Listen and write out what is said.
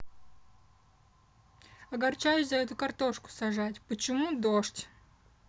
огорчаюсь за эту картошку сажать почему дождь